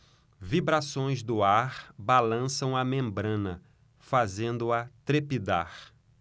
vibrações do ar balançam a membrana fazendo-a trepidar